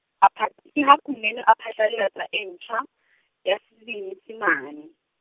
ke ha Kunene a phatlallatsa e ntjha, ya Senyesemane.